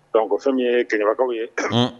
Dɔnku ko fɛn min ye kɛɲɛmakaw ye